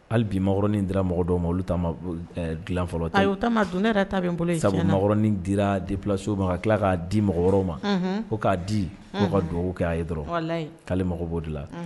Hali biɔrɔnin di mɔgɔ dɔw ma olu dila fɔlɔ a o don ne taa bolooli sabuɔrɔnin dira dip so ma ka tila k'a di mɔgɔ ma ko k'a di ka dugawu kɛ a ye dɔrɔn'ale mago b'o dilan